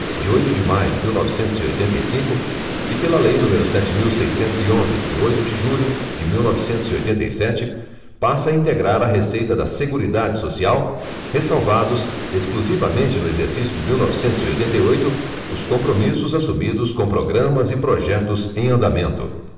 de oito de maio de mil novecentos e oitenta e cinco e pela lei número sete mil seiscentos e onze de oito de julho de mil novecentos e oitenta e sete passa a integrar a receita da seguridade social ressalvados exclusivamente no exercício de mil novecentos e oitenta e oito os compromissos assumidos com programas e projetos em andamento